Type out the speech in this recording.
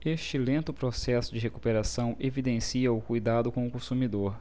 este lento processo de recuperação evidencia o cuidado com o consumidor